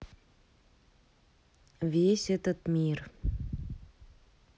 весь этот мир